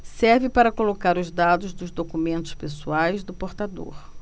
serve para colocar os dados dos documentos pessoais do portador